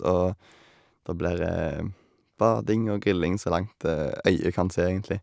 Og der blir bading og grilling så langt øyet kan se, egentlig.